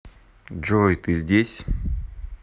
джой ты здесь